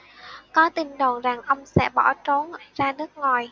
có tin đồn rằng ông sẽ bỏ trốn ra nước ngoài